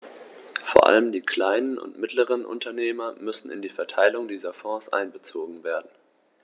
Vor allem die kleinen und mittleren Unternehmer müssen in die Verteilung dieser Fonds einbezogen werden.